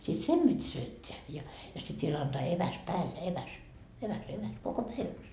sitten sen piti syöttää ja ja sitten vielä antaa eväs päälle eväs eväs eväs koko päiväksi